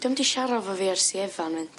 Dio'm di siara 'fo fi ers i Efan fynd.